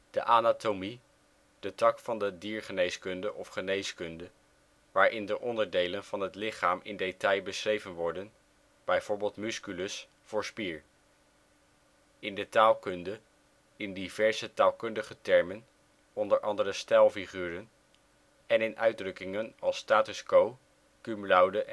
de anatomie, de tak van de (dier) geneeskunde waarin de onderdelen van het lichaam in detail beschreven worden, bijvoorbeeld musculus, " spier "); in de taalkunde, in diverse taalkundige termen (onder andere stijlfiguren) en in uitdrukkingen als status quo, cum laude